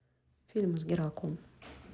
фильмы с гераклом